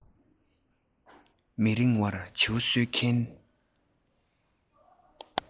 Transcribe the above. མི རིང བར བྱིའུ གསོད མཁན